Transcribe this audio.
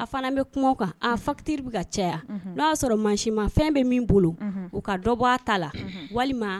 A fana bɛ kungo kan a fatiriri ka caya n'a y'a sɔrɔ maa sima fɛn bɛ min bolo u ka dɔ bɔ a ta la walima